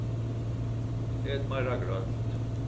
et meira grønt